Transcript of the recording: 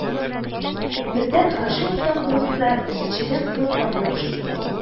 Бердән, Һаши-мовтан курыкса, икенчедән, кыздан яхшысынмый